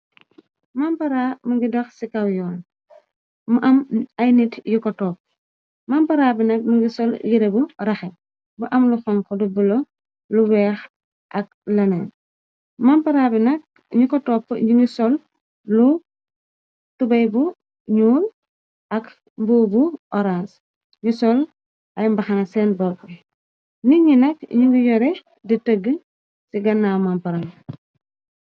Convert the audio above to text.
Mampara mu ngi dox ci kaw yoon, mu am ay niit yu ko toppu, mamparaa bi nag mu ngi sol yere bu raxe, bu amlu xonxu di bula, lu weex ak lenen, mampara bi nak nyu ko toppu ñingi sol lu tubay bu ñuul ak mbuubu orange, nyu sol ay mbaxana seen boppu yi, nit yi nak ñu ngi yore di tëgg ci gannaaw mampara bi.